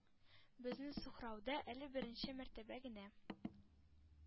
Безнең сухрауда әле беренче мәртәбә генә